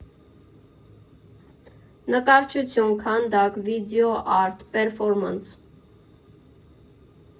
Նկարչություն, քանդակ, վիդեոարտ, պերֆորմանս։